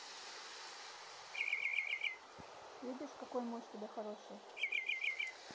видишь какой муж тебе хороший